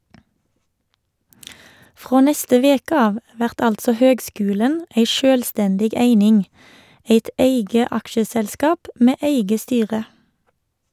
Frå neste veke av vert altså høgskulen ei sjølvstendig eining, eit eige aksjeselskap med eige styre.